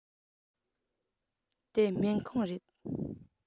དེ སྨན ཁང རེད